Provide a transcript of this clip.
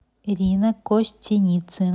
ирина костеницина